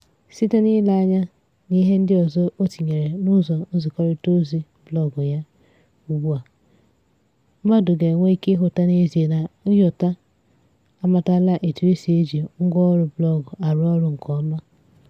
Site n'ileanya n'ihe ndị o tinyere n'ụdọnzikọrịtaozi blọọgụ ya ugbu a, mmadụ ga-enwe ike ịhụta n'ezie na Nyota amatala etu esi e ji ngwaọrụ blọọgụ arụ ọrụ nke ọma.